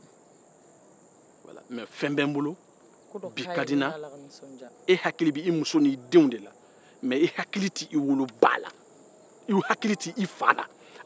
mɛ fɛn bɛ n bolo bi ka di n e hakili bɛ i muso n'i denw na mɛ e hakili tɛ i woloba la